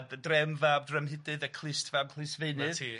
Ia d- Drem fab Dremhudydd a Clust fab Clustfeinydd... 'Na ti...